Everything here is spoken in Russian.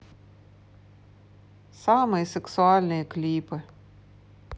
самые сексуальные клипы